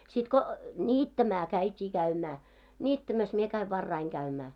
sitten kun niittämään käytiin käymään niittämässä minä kävin varhain käymään